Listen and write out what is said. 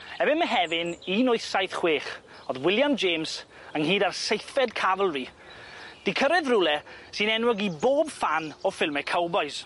Erbyn Mehefin un wyth saith chwech o'dd William James ynghyd â'r seithfed Cafalri 'di cyrredd rywle sy'n enwog i bob fan o ffilme cowbois.